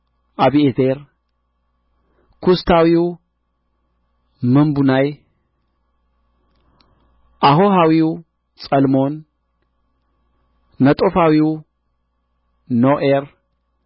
አቢዔዜር ኩሳታዊው ምቡናይ አሆሃዊው ጸልሞን ነጦፋዊው ኖኤሬ